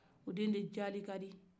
o den de ye jalika di